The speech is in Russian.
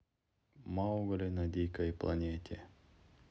маугли на дикой планете